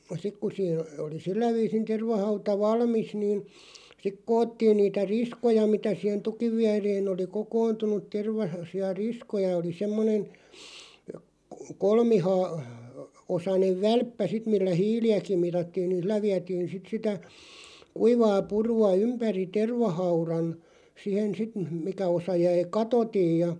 sitten kun siinä oli sillä viisin tervahauta valmis niin sitten koottiin niitä riskoja mitä siihen tukin viereen oli kokoontunut - tervaisia riskoja oli semmoinen - kolmiosainen välppä sitten millä hiiliäkin mitattiin niin sillä vietiin sitten sitä kuivaa purua ympäri tervahaudan siihen sitten - mikä osa jäi katotta ja